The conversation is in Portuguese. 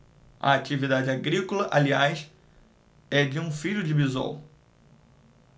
a atividade agrícola aliás é de um filho de bisol